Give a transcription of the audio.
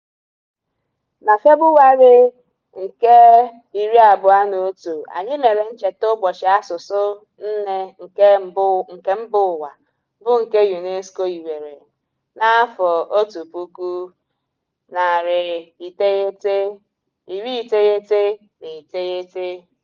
Na Febụwarị 21, anyị mere ncheta Ụbọchị Asụsụ Nne nke Mbaụwa, bụ nke UNESCO hiwere na 1999.